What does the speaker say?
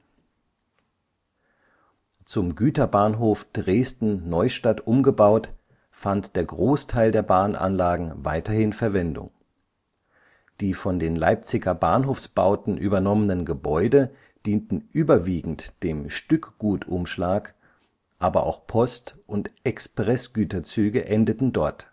Zum Güterbahnhof Dresden-Neustadt umgebaut, fand der Großteil der Bahnanlagen weiterhin Verwendung. Die von den Leipziger Bahnhofsbauten übernommenen Gebäude dienten überwiegend dem Stückgutumschlag, aber auch Post - und Expressgüterzüge endeten dort